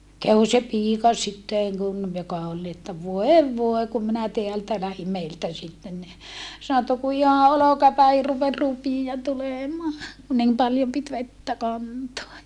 kävi se piika sitten kun joka oli niin että voi voi kun minä täältä lähdin meiltä sitten niin sanoi että kun ihan olkapäihin rupesi rupia tulemaan kun niin paljon piti vettä kantaa